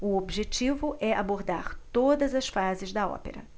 o objetivo é abordar todas as fases da ópera